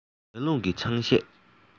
ཡར ཀླུང གིས ཆང གཞས